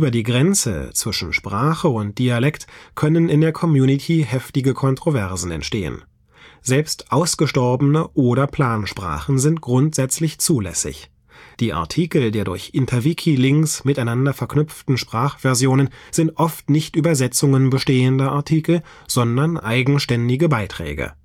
die Grenze zwischen Sprache und Dialekt können in der Community heftige Kontroversen entstehen. Selbst ausgestorbene oder Plansprachen sind grundsätzlich zulässig. Die Artikel der durch Interwiki-Links miteinander verknüpften Sprachversionen sind oft nicht Übersetzungen bestehender Artikel, sondern eigenständige Beiträge